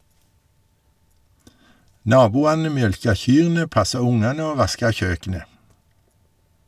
Naboane mjølka kyrne, passa ungane og vaska kjøkenet.